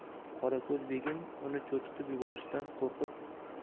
qorako'z begim uni cho'chitib yuborishdan qo'rqib